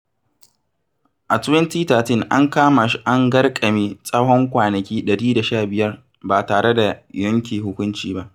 A 2013, an kama shi an garƙame tsawon kwanaki 115 ba tare da yanke hukunci ba.